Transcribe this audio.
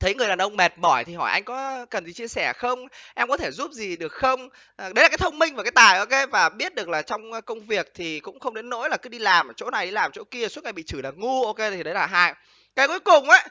thấy người đàn ông mệt mỏi thì hỏi anh có cần gì chia sẻ không em có thể giúp gì được không đấy là cái thông minh và tài ô kê và biết được là trong công việc thì cũng không đến nỗi cứ đi làm chỗ này làm chỗ kia suốt ngày bị chửi ngu ô kê thì đấy là hai cái cuối cùng á